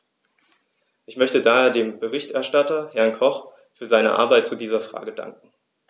Ich möchte daher dem Berichterstatter, Herrn Koch, für seine Arbeit zu dieser Frage danken.